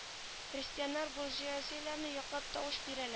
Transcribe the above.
Крестьяннар буржуазиянеләр яклап тавыш бирә